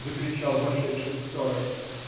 - закричал вошедший сторож.